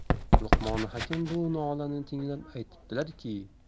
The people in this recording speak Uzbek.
luqmoni hakim bu nolani tinglab aytibdilarki